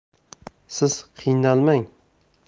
siz qiynalmang